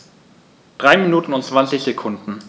3 Minuten und 20 Sekunden